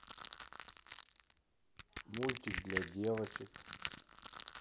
мультик для девочек